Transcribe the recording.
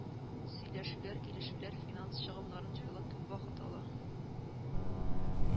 Сөйләшүләр, килешүләр, финанс чыгымнарын җайлау күп вакыт ала